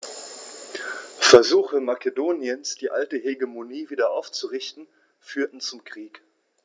Versuche Makedoniens, die alte Hegemonie wieder aufzurichten, führten zum Krieg.